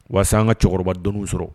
Walasa an ka cɛkɔrɔba don sɔrɔ